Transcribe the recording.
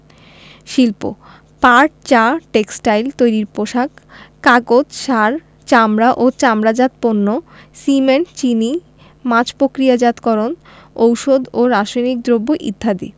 শিল্পঃ পাট চা টেক্সটাইল তৈরি পোশাক কাগজ সার চামড়া ও চামড়াজাত পণ্য সিমেন্ট চিনি মাছ প্রক্রিয়াজাতকরণ ঔষধ ও রাসায়নিক দ্রব্য ইত্যাদি